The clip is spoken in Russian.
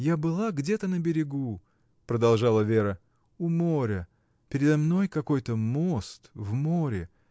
— Я была где-то на берегу, — продолжала Вера, — у моря: передо мной какой-то мост, в море.